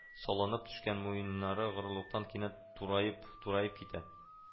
Салынып төшкән муеннары горурлыктан кинәт тураеп-тураеп китә